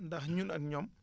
ndax ñun ak ñoom